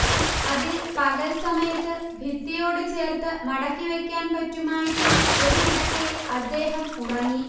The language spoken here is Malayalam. അതിൽ പകൽ സമയത്ത് ഭിത്തിയോട് ചേർത്ത് മടക്കിവക്കാൻ പറ്റുമായിരുന്ന ഒരു കിടക്കയിൽ അദ്ദേഹം ഉറങ്ങി